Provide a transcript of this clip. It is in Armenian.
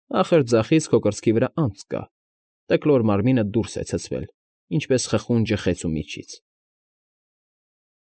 Ախր ձախից քո կրծքի վրա անցք կա, տկլոր մարմինդ դուրս է ցցվել, ինչպես խխունջը խեցու միջից»։